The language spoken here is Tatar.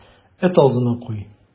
Эт алдына куй.